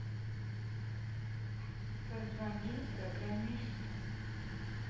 позвони программисту